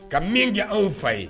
Ka min kɛ anw fa ye